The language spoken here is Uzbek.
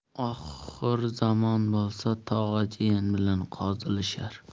oxir zamon bo'lsa tog'a jiyan bilan qozilashar